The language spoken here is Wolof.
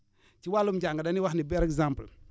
si wàllum jàng dañuy wax ni par exemple